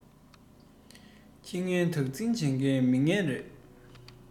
ཁྱི ངན བདག འཛིན བྱེད མཁན མི ངན རེད